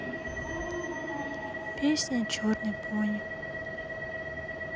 песня черный пони